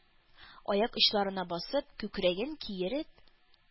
Аяк очларына басып, күкрәген киереп,